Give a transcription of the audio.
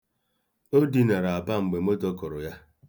O dinara aba mgbe moto kụrụ ya.